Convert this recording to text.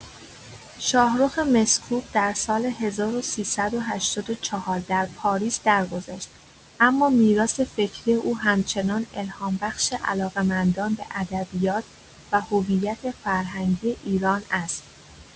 شاهرخ مسکوب در سال ۱۳۸۴ در پاریس درگذشت، اما میراث فکری او همچنان الهام‌بخش علاقه‌مندان به ادبیات و هویت فرهنگی ایران است.